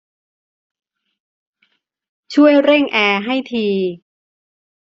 ช่วยเร่งแอร์ให้ที